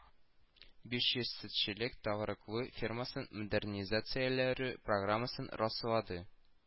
Биш йөз сөтчелек-товарлыклы фермасын модернизацияләре программасын раслады